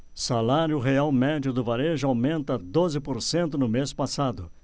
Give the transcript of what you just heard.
salário real médio do varejo aumenta doze por cento no mês passado